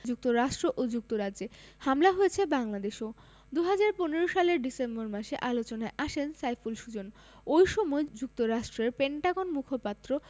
যুক্তরাষ্ট্র ও যুক্তরাজ্যে হামলা হয়েছে বাংলাদেশেও ২০১৫ সালের ডিসেম্বর মাসে আলোচনায় আসেন সাইফুল সুজন ওই সময় যুক্তরাষ্ট্রের পেন্টাগন মুখপাত্র